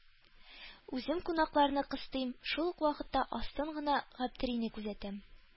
Үзем кунакларны кыстыйм, шул ук вакытта астан гына Гаптерине күзәтәм.